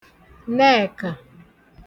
Nẹkà